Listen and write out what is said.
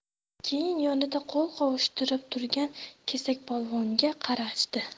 keyin yonida qo'l qovushtirib turgan kesakpolvonga qaradi